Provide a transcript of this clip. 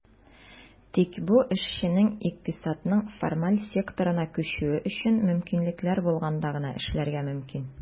Тик бу эшченең икътисадның формаль секторына күчүе өчен мөмкинлекләр булганда гына эшләргә мөмкин.